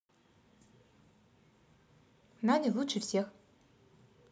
надя лучше всех